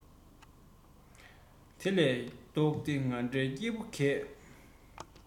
དེ ལས ལྡོག སྟེ ང འདྲའི སྐྱེས བུ འགས